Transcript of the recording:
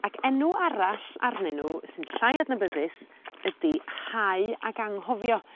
ac enw arall arnyn n'w sy'n llai adnabyddus ydi hau ag anghofio.